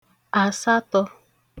àsatọ̄